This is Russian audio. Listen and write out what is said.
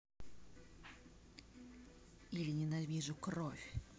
или ненавижу кровь